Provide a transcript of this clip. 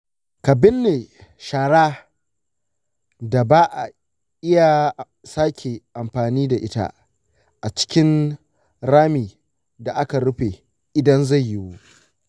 ka binne shara da ba a iya sake amfani da ita a cikin rami da aka rufe idan zai yiwu.